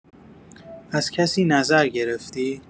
از کسی نظر گرفتی؟